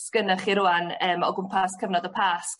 sgyna chi rŵan yym o gwmpas cyfnod Y Pasg.